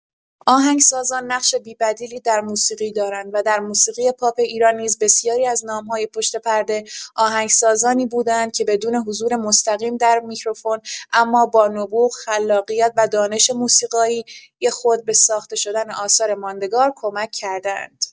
آهنگسازان نقش بی‌بدیلی در موسیقی دارند و در موسیقی پاپ ایران نیز بسیاری از نام‌های پشت‌پرده، آهنگسازانی بوده‌اند که بدون حضور مستقیم در میکروفون اما با نبوغ، خلاقیت و دانش موسیقایی خود به ساخته‌شدن آثار ماندگار کمک کرده‌اند.